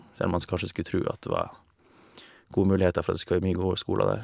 Selv om man s kanskje skulle tru at det var gode muligheter for at det skal være mye gode skoler der.